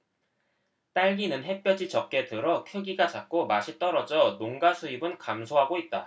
딸기는 햇볕이 적게 들어 크기가 작고 맛이 떨어져 농가 수입은 감소하고 있다